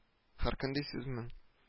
Һәр көн дисезме